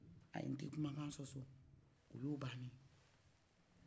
a yi n t'i kuman kan sɔsɔ o y'o baneye